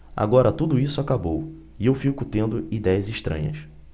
agora tudo isso acabou e eu fico tendo idéias estranhas